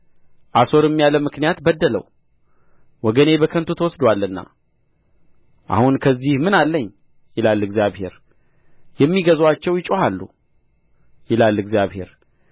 አሦርም ያለ ምክንያት በደለው ወገኔ በከንቱ ተወስዶአልና አሁን ከዚህ ምን አለኝ ይላል እግዚአብሔር የሚገዙአቸው ይጮኻሉ ይላል እግዚአብሔር